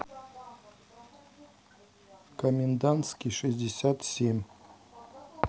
комендантский шестьдесят семь